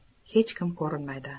hech kim ko'rinmaydi